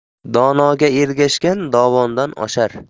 donoga ergashgan dovondan oshar